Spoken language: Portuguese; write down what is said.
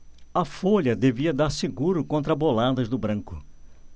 a folha devia dar seguro contra boladas do branco